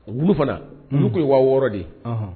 O olu fana oluku waa wɔɔrɔ de ye